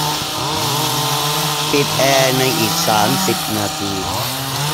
ปิดแอร์ในอีกสามสิบนาที